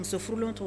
Muso furulon tɔgɔ